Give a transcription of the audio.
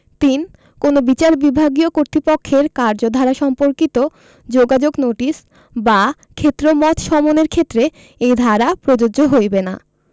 ৩ কোন বিচার বিভাগীয় কর্তৃপক্ষের কার্যধারা সম্পর্কিত যোগাযোগ নোটিশ বা ক্ষেত্রমত সমনের ক্ষেত্রে এই ধারা প্রযোজ্য হইবে না